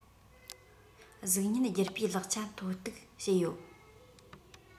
གཟུགས བརྙན རྒྱུ སྤུས ལེགས ཆ ཐོ གཏུག བྱེད ཡོད